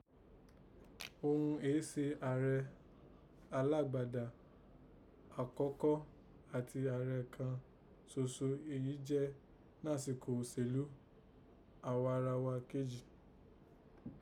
Òghun èé se ààrẹ alágbádá àkọ́kọ́ àti ààrẹ kàn soso èyí jẹ nàsìkò òsèlú àwaarawa kéjì